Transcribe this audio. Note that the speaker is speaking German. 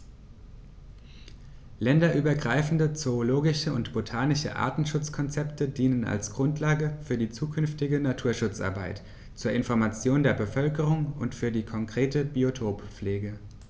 Länderübergreifende zoologische und botanische Artenschutzkonzepte dienen als Grundlage für die zukünftige Naturschutzarbeit, zur Information der Bevölkerung und für die konkrete Biotoppflege.